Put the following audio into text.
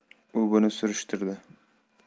u buni surishtirdi